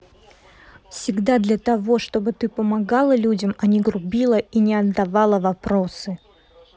всегда для того чтобы ты помогала людям а не грубила и не отдавала вопросы